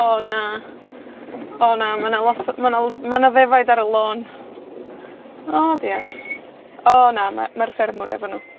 O, na. O na. Ma' 'na lot o, ma' 'na l- ma' 'na ddefaid ar y lôn. O diar. O na. Ma' ma'r ffermwr efo'n nw.